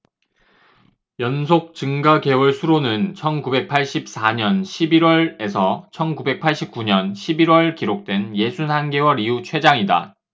연속 증가 개월 수로는 천 구백 팔십 사 년 십 일 월 에서 천 구백 팔십 구 년 십 일 월 기록된 예순 한 개월 이후 최장이다